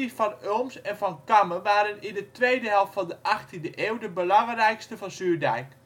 Van Ulms en Van Kammen waren in de tweede helft van de 18e eeuw de belangrijkste van Zuurdijk